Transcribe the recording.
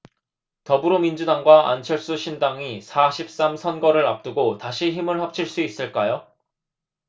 더불어민주당과 안철수 신당이 사 십 삼 선거를 앞두고 다시 힘을 합칠 수 있을까요